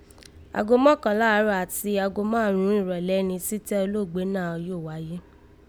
Aago mọ́kànlá àárọ̀ sí aago Márùn ún ìrọ̀lẹ́ ni títẹ́ olóògbé náà yóò wáyé